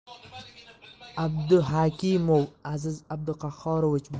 abduhakimov aziz abduqahhorovich bosh vazir o'rinbosari